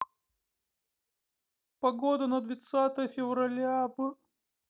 погода на двадцатое февраля в